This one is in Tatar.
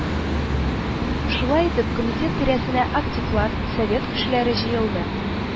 Шулай итеп, комитет тирәсенә активлар, совет кешеләре җыелды